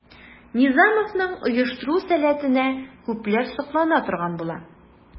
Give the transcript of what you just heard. Низамовның оештыру сәләтенә күпләр соклана торган була.